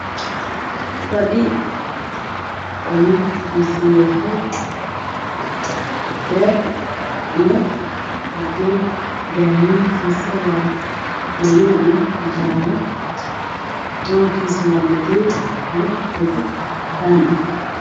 fadhi dhamaystiran oo midabkiisu yahay madow iyo qaxwi kana dambeyo daah qawi ah